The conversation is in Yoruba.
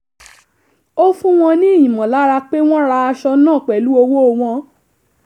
Ó fún wọn ní ìmọ̀lára pé wọn ra aṣọ náà pẹ̀lú owó wọn